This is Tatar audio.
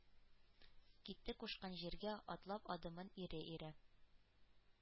Китте кушкан җиргә, атлап адымын ире-ире;